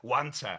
Ŵan ta.